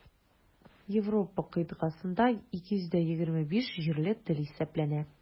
Европа кыйтгасында 225 җирле тел исәпләнә.